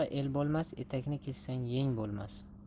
etakni kessang yeng bo'lmas